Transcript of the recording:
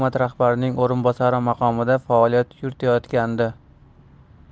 rahbarining o'rinbosari maqomida faoliyat yuritayotgandi